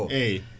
eyyi